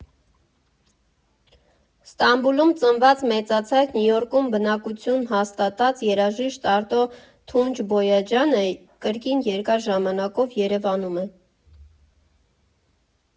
Ստամբուլում ծնված֊մեծացած, Նյու Յորքում բնակություն հաստատած երաժիշտ Արտո Թունջբոյաջյանը կրկին երկար ժամանակով Երևանում է։